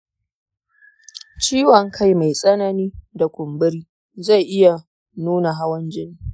ciwon kai mai tsanani da kumburi zai iya nuna hawan jini.